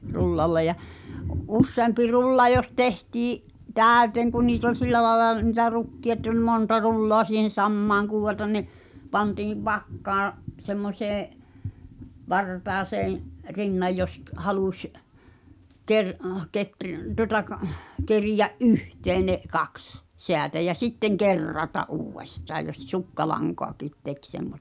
rullalle ja useampi rulla jos tehtiin täyteen kun niitä oli sillä lailla niitä rukkeja että oli monta rullaa siihen samaan - niin pantiin vakkaan semmoiseen vartaaseen rinnan jos - halusi -- tuota - keriä yhteen ne kaksi säätä ja sitten kerrata uudestaan jos sukkalankojakin teki semmoista